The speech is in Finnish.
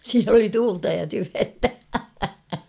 siinä oli tuulta ja tyventä